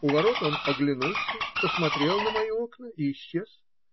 У ворот он оглянулся, посмотрел на мои окна и исчез.